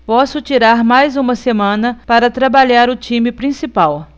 posso tirar mais uma semana para trabalhar o time principal